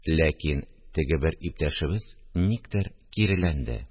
Ләкин теге бер иптәшебез никтер киреләнде: